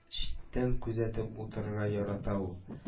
Читтән күзәтеп утырырга ярата ул